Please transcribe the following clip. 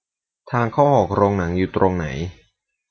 ทางเข้าออกโรงหนังอยู่ตรงไหน